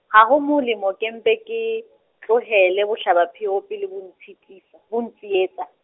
ha ho molemo ke mpe ke, tlohele bohlabaphio, pele bo ntshitisa-, bo ntsietsa.